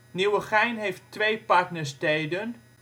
Nieuwegein heeft twee partnersteden